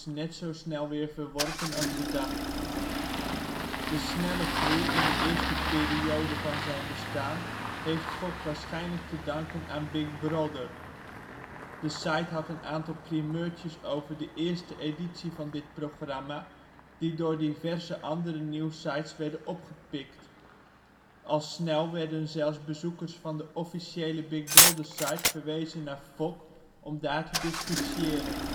net zo snel weer verworpen als bedacht. De snelle groei in de eerste periode van zijn bestaan heeft FOK! waarschijnlijk te danken aan Big Brother; de site had een aantal primeurtjes over de eerste editie van dit programma die door diverse andere nieuwssites werden opgepikt. Al snel werden zelfs bezoekers van de officiële Big Brother-site verwezen naar FOK! om daar te discussiëren